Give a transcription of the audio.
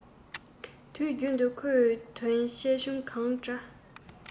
དུས རྒྱུན དུ ཁོས དོན ཆེ ཆུང གང འདྲ